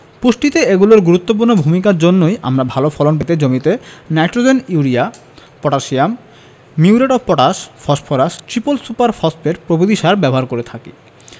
পুষ্টিতে এগুলোর গুরুত্বপূর্ণ ভূমিকার জন্যই আমরা ভালো ফলন পেতে জমিতে nitrogen urea potassium muriate of potash phosphorus triple super phosphate প্রভৃতি সার ব্যবহার করে থাকি